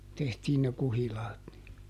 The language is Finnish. tehtiin ne kuhilaat niin